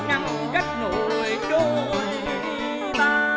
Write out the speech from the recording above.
ngăn cách nổi đôi ta